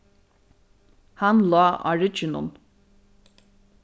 hann lá á rygginum